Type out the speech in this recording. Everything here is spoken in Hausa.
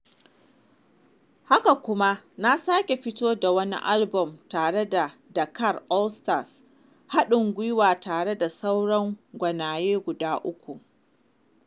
Haka kuma na sake fito da wani albon tare da Dakar All Stars, haɗin gwiwa tare da sauran gwaneye guda 3.